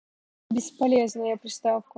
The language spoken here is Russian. бесполезная приставка